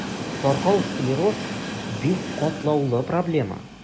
Таркау склероз – бик катлаулы проблема.